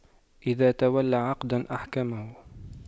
إذا تولى عقداً أحكمه